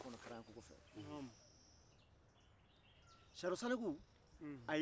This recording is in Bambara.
hakili dɔ bɛ ɲa ni i bɛ i madon mɔgɔkɔrɔbawla